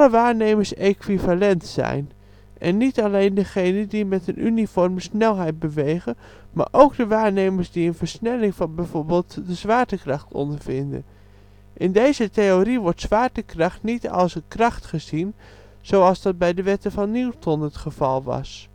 waarnemers equivalent zijn, en niet alleen degenen die met een uniforme snelheid bewegen, maar ook de waarnemers die een versnelling van bijvoorbeeld de zwaartekracht ondervinden. In deze theorie wordt zwaartekracht niet als een kracht gezien (zoals dat bij de Wetten van Newton het geval was